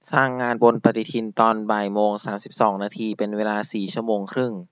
สร้างงานบนปฎิทินตอนบ่ายโมงสามสิบสองนาทีเป็นเวลาสี่ชั่วโมงครึ่ง